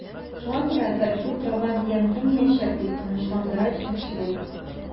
Шуңа күрә тарихи утрауга зыян килмиячәк, дип тынычландыра җитәкчелек.